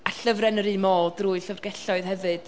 a llyfrau yn yr un modd drwy llyfrgelloedd hefyd.